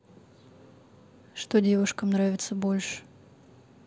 что девушкам нравится больше